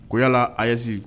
Kuyala a'se